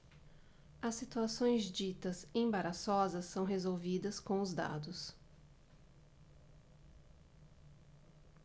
as situações ditas embaraçosas são resolvidas com os dados